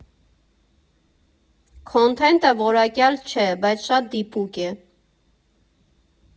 Քոնթենթը որակյալ չէ, բայց շատ դիպուկ է։